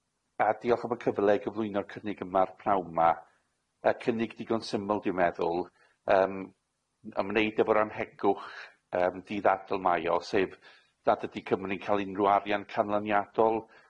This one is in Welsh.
A diolch am y cyfle i gyflwyno'r cynnig yma'r pnawn 'ma. Yy cynnig digon syml dwi'n meddwl, yym n- ymwneud efo'r annhegwch yym di-ddadl mae o, sef nad ydi Cymru'n ca'l unryw arian canlyniadol